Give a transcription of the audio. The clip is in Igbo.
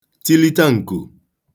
tilita ǹkù